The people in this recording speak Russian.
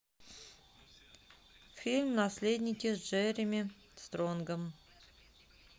фильм наследники с джереми стронгом